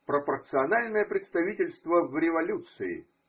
Пропорциональное представительство в революции!